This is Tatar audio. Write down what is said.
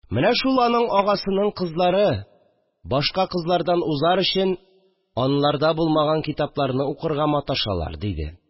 Менә шул аның агасының кызлары, башка кызлардан узар өчен, аларда булмаган китапларны укырга маташалар», – диде